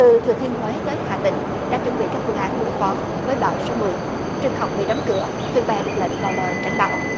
từ thừa thiên huế tới hà tĩnh đã chuẩn bị các phương án đối phó với bão số mười trường học bị đóng cửa thuyền bè được lệnh vào bờ tránh bão